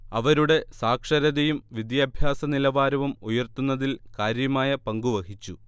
അവരുടെ സാക്ഷരതയും വിദ്യാഭ്യാസനിലവാരവും ഉയർത്തുന്നതിൽ കാര്യമായ പങ്കു വഹിച്ചു